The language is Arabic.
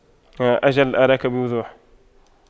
أجل أراك بوضوح